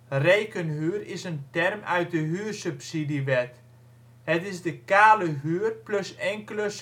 Rekenhuur is een term uit de huursubsidiewet. Het is de kale huur plus enkele